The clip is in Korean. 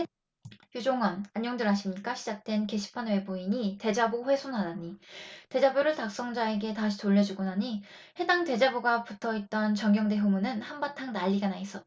유종헌안녕들 하십니까 시작된 게시판 외부인이 대자보 훼손하다니대자보를 작성자에게 다시 돌려주고 나니 해당 대자보가 붙어있던 정경대 후문은 한바탕 난리가 나 있었다